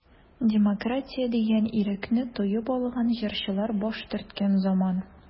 Демократия дигән ирекне тоеп алган җырчылар баш төрткән заман.